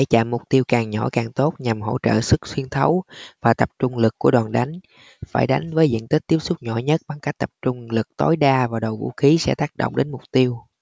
chạm mục tiêu càng nhỏ càng tốt nhằm hỗ trợ sức xuyên thấu và tập trung lực của đòn đánh phải đánh với diện tích tiếp xúc nhỏ nhất bằng cách tập trung lực tối đa vào đầu vũ khí sẽ tác động đến mục tiêu